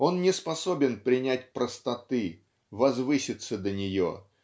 он не способен принять простоты возвыситься до нее